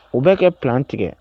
U bɛ ka plan tigɛ